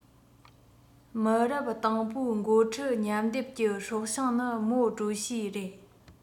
མི རབས དང པོའི འགོ ཁྲིད མཉམ སྡེབ ཀྱི སྲོག ཤིང ནི མའོ ཀྲུའུ ཞི རེད